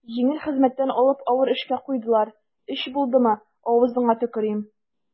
Җиңел хезмәттән алып авыр эшкә куйдылар, өч булдымы, авызыңа төкерим.